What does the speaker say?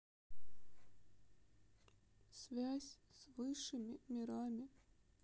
связь с высшими мирами